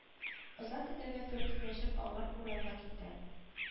Озак көтәргә туры киләчәк аңар уралга китәм